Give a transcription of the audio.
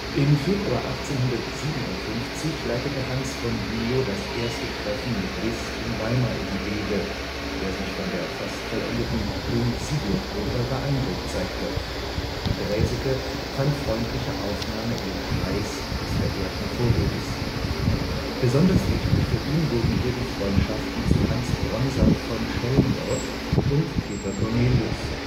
Im Februar 1857 leitete Hans von Bülow das erste Treffen mit Liszt in Weimar in die Wege, der sich von der fast vollendeten König-Sigurd-Oper beeindruckt zeigte. Draeseke fand freundliche Aufnahme in den Kreis des verehrten Vorbildes. Besonders wichtig für ihn wurden hier die Freundschaften zu Hans Bronsart von Schellendorff und Peter Cornelius